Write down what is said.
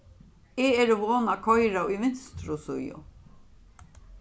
eg eri von at koyra í vinstru síðu